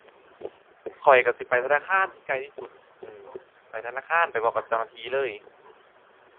ข้อยก็สิไปธนาคารที่ใกล้ที่สุด อือ ไปธนาคารไปเว้ากับเจ้าหน้าที่เลย